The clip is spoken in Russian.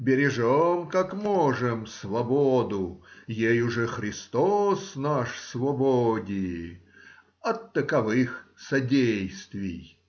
бережем, как можем, свободу, ею же Христос нас свободи, от таковых содействий.